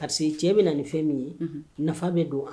Karisa cɛ bɛ na nin fɛn min ye nafa bɛ don